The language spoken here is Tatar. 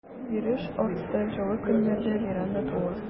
Йөреш артты, җылы көннәрдә веранда тулы.